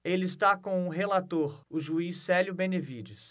ele está com o relator o juiz célio benevides